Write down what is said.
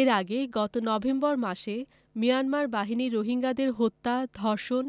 এর আগে গত নভেম্বর মাসে মিয়ানমার বাহিনী রোহিঙ্গাদের হত্যা ধর্ষণ